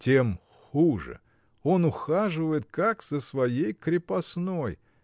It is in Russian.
— Тем хуже: он ухаживает, как за своей крепостной.